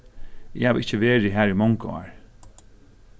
eg havi ikki verið har í mong ár